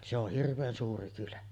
se on hirveän suuri kylä